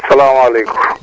salaamaaleykum